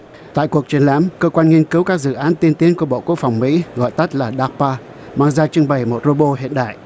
tại cuộc triển lãm cơ quan nghiên cứu các dự án tiên tiến của bộ quốc phòng mỹ gọi tắt là đa pa mang ra trưng bày một rô bô hiện đại